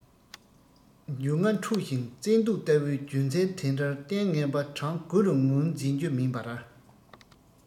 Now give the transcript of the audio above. འབྱུང ལྔ འཁྲུགས ཤིང བཙན དུག ལྟ བུའི རྒྱུ མཚན དེ འདྲར བརྟེན ངན པ གྲངས དགུ རུ ངོས འཛིན རྒྱུ མིན པར